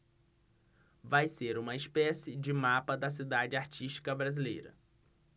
vai ser uma espécie de mapa da cidade artística brasileira